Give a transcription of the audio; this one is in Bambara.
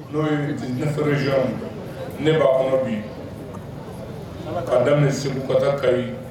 N'oyɔn ne b'a kɔnɔ bi ka daminɛ ni segu ka da ka ye